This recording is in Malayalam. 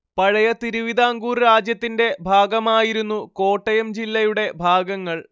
പഴയ തിരുവിതാംകൂർ രാജ്യത്തിന്റെ ഭാഗമായിരുന്നു കോട്ടയം ജില്ലയുടെ ഭാഗങ്ങൾ